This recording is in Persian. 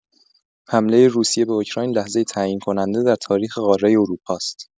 حمله روسیه به اوکراین لحظه تعیین‌کننده در تاریخ قاره اروپاست.